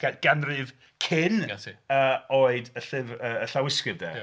Ga- ganrif cyn... 'Na ti. ...Yy oed y llyf- y llawysgrif 'de... Ie.